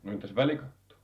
no entäs välikatto